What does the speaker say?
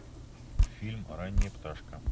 фильм ранняя пташка